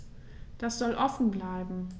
Das soll offen bleiben.